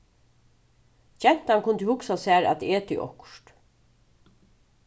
gentan kundi hugsað sær at etið okkurt